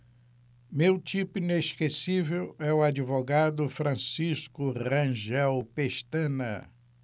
meu tipo inesquecível é o advogado francisco rangel pestana